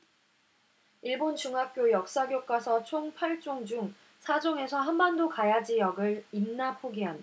일본 중학교 역사교과서 총 팔 종 중 사 종에서 한반도 가야지역을 임나 표기함